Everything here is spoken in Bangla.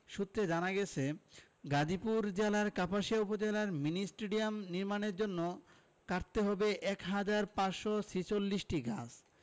সূত্রে জানা গেছে গাজীপুর জেলার কাপাসিয়া উপজেলায় মিনি স্টেডিয়াম নির্মাণের জন্য কাটতে হবে এক হাজার ৫৪৬টি গাছ